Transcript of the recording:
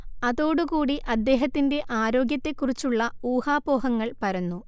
അതോടുകൂടി അദ്ദേഹത്തിൻറെ ആരോഗ്യത്തെ കുറിച്ചുള്ള ഊഹാപോഹങ്ങൾ പരന്നു